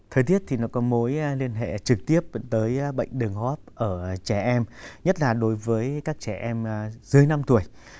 thời tiết thì nó có mối liên hệ trực tiếp dẫn tới bệnh đường hô hấp ở trẻ em nhất là đối với các trẻ em dưới năm tuổi